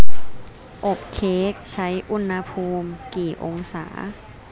อบเค้กใช้อุณหภูมิกี่องศา